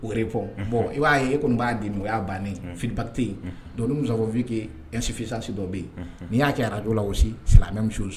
O yɛrɛ bɔ bɔn i b'a ye e kɔni b'a de o y'a bannen fibate don mufin kɛ ɛsi fisasi dɔ bɛ yen n'i y'a kɛ araj lasi silamɛmɛ misi